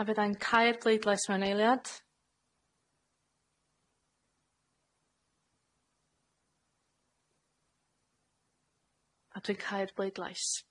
A fydda' i'n cau'r bleidlais mewn eiliad. A dwi'n cau'r bleidlais.